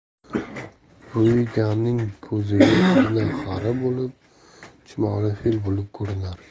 buiganing ko'ziga igna xari bo'lib chumoli fil bo'lib ko'rinar